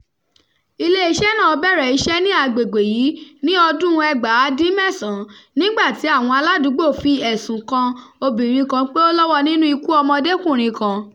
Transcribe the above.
Iléeṣẹ́ náà bẹ̀rẹ̀ iṣẹ́ ní agbègbè yìí ní ọdún-un 1991 nígbà tí àwọn aládùúgbò fi ẹ̀sùn kan obìnrin kan pé ó lọ́wọ́ nínú ikú ọmọdékùnrin kan.